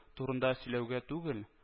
Турында сөйләүгә түгел